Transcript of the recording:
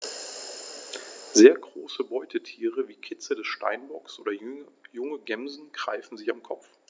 Sehr große Beutetiere wie Kitze des Steinbocks oder junge Gämsen greifen sie am Kopf.